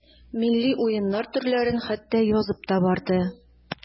Милли уеннар төрләрен хәтта язып та барды.